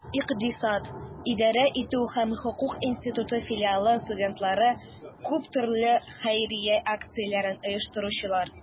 Икътисад, идарә итү һәм хокук институты филиалы студентлары - күп төрле хәйрия акцияләрен оештыручылар.